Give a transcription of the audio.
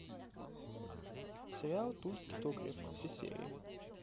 сериал тульский токарев все серии